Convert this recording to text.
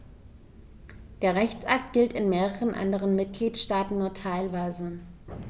Der Rechtsakt gilt in mehreren anderen Mitgliedstaaten nur teilweise.